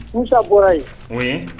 Musa bɔra yen mun ye